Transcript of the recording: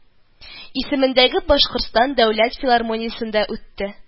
Исемендәге башкортстан дәүләт филармониясендә үтте